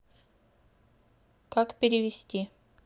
как перевести